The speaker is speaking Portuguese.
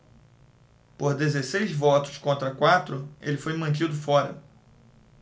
por dezesseis votos contra quatro ele foi mantido fora